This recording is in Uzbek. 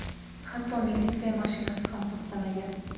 hatto militsiya mashinasi ham to'xtamagan